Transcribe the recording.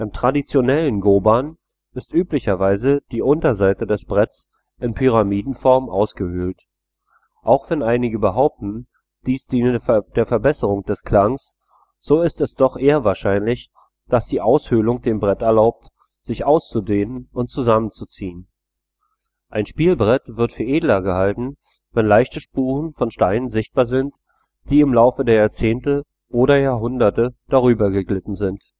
traditionellen goban ist üblicherweise die Unterseite des Bretts in Pyramidenform ausgehöhlt. Auch wenn einige behaupten, dies diene der Verbesserung des Klangs, so ist es doch eher wahrscheinlich, dass die Aushöhlung dem Brett erlaubt, sich auszudehnen und zusammenzuziehen. Ein Spielbrett wird für edler gehalten, wenn leichte Spuren von Steinen sichtbar sind, die im Laufe der Jahrzehnte – oder Jahrhunderte – darüber geglitten sind